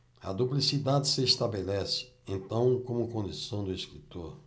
a duplicidade se estabelece então como condição do escritor